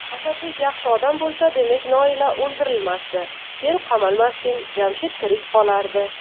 asadbek yaxshi odam bo'lsa demak noila o'ldirilmasdi sen qamalmasding jamshid tirik qolardi